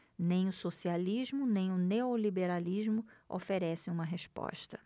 nem o socialismo nem o neoliberalismo oferecem uma resposta